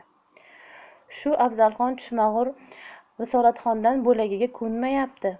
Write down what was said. shu afzalxon tushmagur risolatxondan bo'lagiga ko'nmayapti